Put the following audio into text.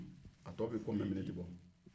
a tɔ bɛɛ kɔmɛ miniti bɔ